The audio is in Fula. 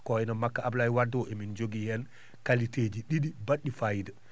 ko wayi no makka Aboulaye Wade o emin jogii heen qualité ji ɗiɗi baɗɗi fayida